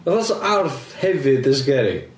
Wel fatha 'sa arth hefyd yn scary.